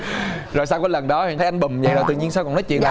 rồi sau cái lần đó thì thấy anh bùng dậy tự nhiên sao còn nói chuyện